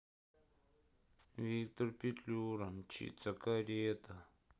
виктор петлюра мчится карета